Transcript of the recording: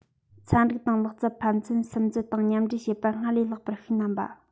ཚན རིག དང ལག རྩལ ཕན ཚུན སིམ འཛུལ དང མཉམ འདྲེས བྱེད པར སྔར ལས ལྷག པར ཤུགས བསྣན པ